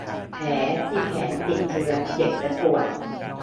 แผลที่แขนติดเชื้อเจ็บและปวด